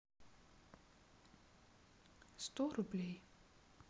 сто рублей